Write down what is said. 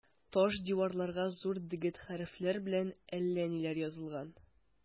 Таш диварларга зур дегет хәрефләр белән әллә ниләр язылган.